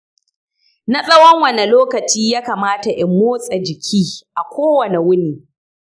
na tsawon wane lokaci ya kamata in motsa-jiki a kowane wuni?